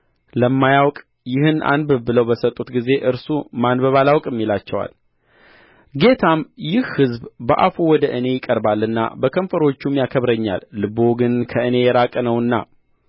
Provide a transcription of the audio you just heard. ለማያውቅ ይህን አንብብ ብለው በሰጡት ጊዜ እርሱ ማንበብ አላውቅም ይላቸዋል ጌታም ይህ ሕዝብ በአፉ ወደ እኔ ይቀርባልና በከንፈርቹም ያከብረኛልና ልቡ ግን ከእኔ የራቀ ነውና